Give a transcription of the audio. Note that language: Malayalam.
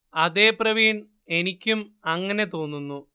അതേ പ്രവീൺ എനിക്കും അങ്ങനെ തോന്നുന്നു